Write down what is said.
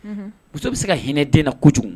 Muso bɛ se ka hinɛ den na kojugu